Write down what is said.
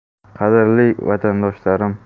qadrli vatandoshlarim